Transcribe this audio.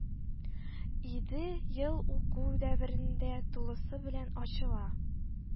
Иде ел уку дәверендә тулысы белән ачыла